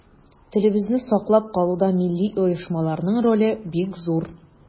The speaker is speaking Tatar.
Телебезне саклап калуда милли оешмаларның роле бик зур.